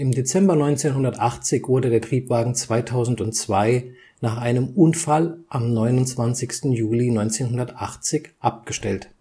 Dezember 1980 wurde der Triebwagen 2002 nach einem Unfall am 29. Juli 1980 abgestellt